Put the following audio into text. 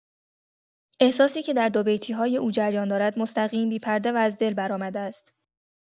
احساسی که در دوبیتی‌های او جریان دارد مستقیم، بی‌پرده و از دل برآمده است.